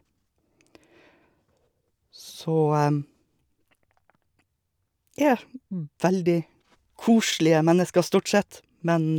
Så Er veldig koselige mennesker, stort sett, men...